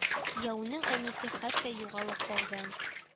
Кияүнең әнисе хәтта югалып калды